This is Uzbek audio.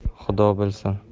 xudo bilsin